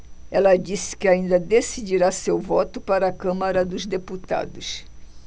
ela disse que ainda decidirá seu voto para a câmara dos deputados